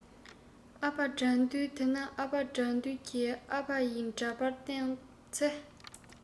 ཨ ཕ དགྲ འདུལ དེ ན ཨ ཕ དགྲ འདུལ གྱི ཨ ཕ ཡི འདྲ པར སྟེང ཚེ